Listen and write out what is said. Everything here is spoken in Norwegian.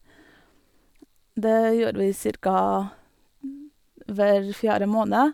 Det gjør vi cirka hver fjerde måned.